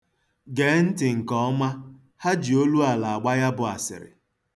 Gee ntị nke ọma, ha ji oluala agba ya bụ asịrị.